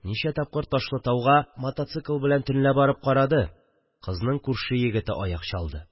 Ничә тапкыр Ташлытауга мотоцикл белән төнлә барып карады – кызның күрше егете аяк чалды